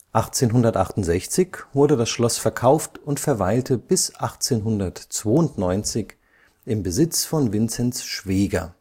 1868 wurde das Schloss verkauft und verweilte bis 1892 im Besitz von Vinzenz Schweeger